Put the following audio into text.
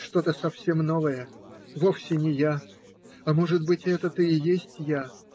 что-то совсем новое, вовсе не я А может быть, это-то и есть я?